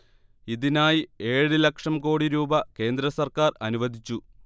ഇതിനായി ഏഴ് ലക്ഷം കോടി രൂപ കേന്ദ്ര സർക്കാർ അനുവദിച്ചു